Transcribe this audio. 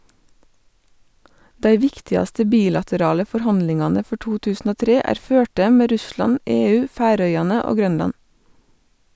Dei viktigaste bilaterale forhandlingane for 2003 er førte med Russland, EU, Færøyane og Grønland.